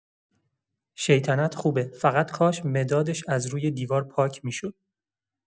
شیطنت خوبه، فقط کاش مدادش از روی دیوار پاک می‌شد.